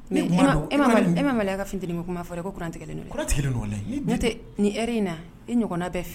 Mɛ e ma fit kuma' fɔ ne ko tɛ ni in na i ɲɔgɔnna bɛ fɛ